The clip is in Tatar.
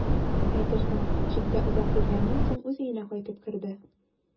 Әйтерсең, читтә озак йөргәннән соң үз өенә кайтып керде.